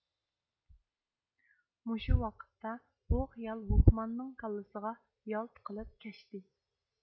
مۇشۇ ۋاقىتتا بۇ خىيال ھوكماننىڭ كاللىسىغا يالت قىلىپ كەچتى